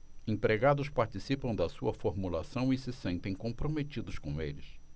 empregados participam da sua formulação e se sentem comprometidos com eles